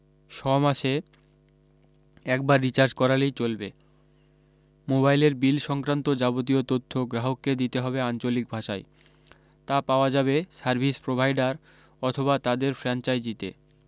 ছমাসে একবার রিচার্জ করালেই চলবে মোবাইলের বিল সংক্রান্ত যাবতীয় তথ্য গ্রাহককে দিতে হবে আঞ্চলিক ভাষায় তা পাওয়া যাবে সার্ভিস প্রোভাইডার অথবা তাদের ফ্রানচাইজিতে